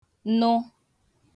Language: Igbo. nụ